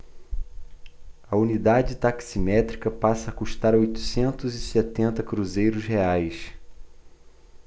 a unidade taximétrica passa a custar oitocentos e setenta cruzeiros reais